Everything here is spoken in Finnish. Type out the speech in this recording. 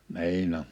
niin on